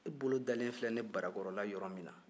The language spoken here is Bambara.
e bolo dalen filɛ ne barakɔrɔ la yɔrɔ min na